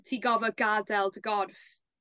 ...ti go'fod gadel dy gorff